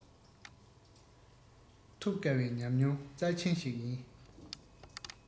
ཐོབ དཀའ བའི ཉམས མྱོང རྩ ཆེན ཞིག ཡིན